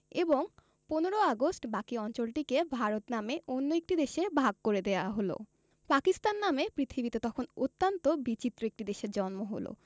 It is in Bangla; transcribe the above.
এবং ১৫ আগস্ট বাকী অঞ্চলটিকে ভারত নামে অন্য একটি দেশে ভাগ করে দেয়া হলো পাকিস্তান নামে পৃথিবীতে তখন অত্যন্ত বিচিত্র একটি দেশের জন্ম হলো